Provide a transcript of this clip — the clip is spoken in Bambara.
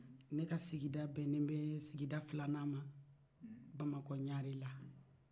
ne ka sigida bɛnnen bɛ sigida filanan ma bamakɔ ɲarela